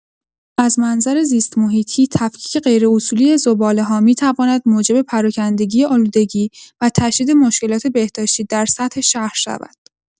از منظر زیست‌محیطی، تفکیک غیراصولی زباله‌ها می‌تواند موجب پراکندگی آلودگی و تشدید مشکلات بهداشتی در سطح شهر شود.